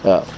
waaw